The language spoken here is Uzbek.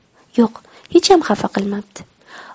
yo'q hecham xafa qilmabdi